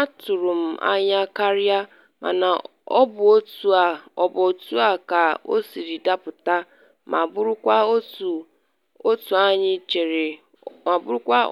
Atụrụ m anya karịa, mana ọ bụ otu a ka o siri dapụta ma bụrụkwa